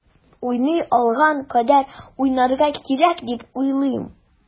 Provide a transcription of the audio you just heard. Уйный алган кадәр уйнарга кирәк дип уйлыйм.